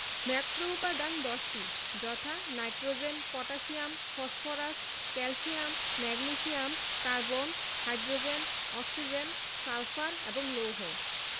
ম্যাক্রোউপাদান 10টি যথা nitrogen potassium phosphorus calcium magnesium carbon hydrogen oxygen sulphur এবং লৌহ